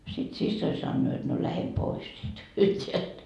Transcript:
sitten siskoni sanoo jotta no lähde pois sitten sieltä